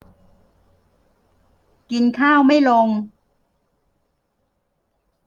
กินข้าวไม่ลง